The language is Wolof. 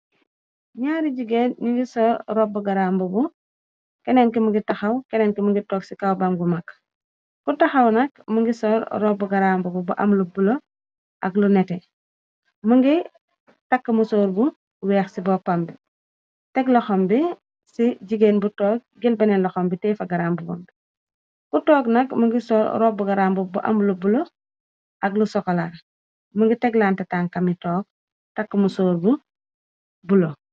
Ñaari jigéen ñingi sol robu garambubu, kenenki mi ngi taxaw kenenki toog ci kaw baang bu mag, ku taxaw nak mu ngi sol robu garaambubu bu am lu bula ak lu nete, më ngi tàkk mu soor bu weex ci boppam bi teg loxom bi ci jigéen bu toog gël beneen loxom bi tiye fa garambubom bi, ku toog nak mu ngi sol robu garambubu am lu bula ak lu sokola, mu ngi teg lante tankam yi toog takk musóor gu bula.